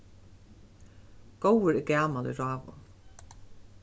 góður er gamal í ráðum